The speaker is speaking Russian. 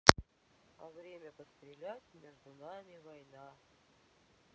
а время пострелять между нами война